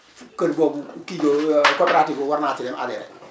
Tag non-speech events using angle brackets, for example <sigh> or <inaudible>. fu kër googu ki <hesitation> <noise> coopérative boobu war naa see dem adhéré